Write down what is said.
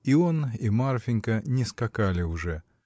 И он, и Марфинька не скакали уже.